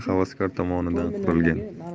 havaskor tomonidan qurilgan